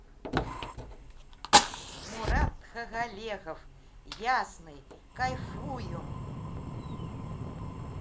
мурат тхагалегов ясный кайфую